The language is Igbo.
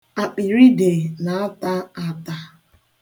Akpịriide na-ata ata.